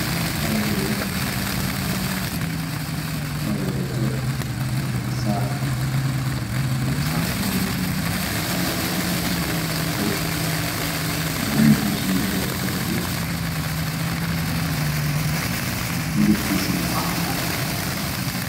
Waa sawir naag oo wadato xijaab kalankiis yahay cagaar background ka dambeeyo waa madow